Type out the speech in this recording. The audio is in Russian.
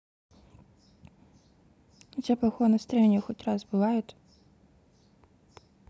у тебя плохое настроение хоть раз бывает